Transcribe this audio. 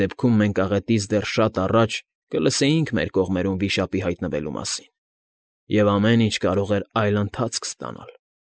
Դեպքում մենք աղետից դեռ շատ առաջ կլսեինք մեր կողմերում վիշապի հայտնվելու մասին, և ամեն ինչ կարող էր այլ ընթացք ստանալ։